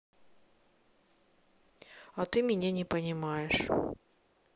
а ты меня не понимаешь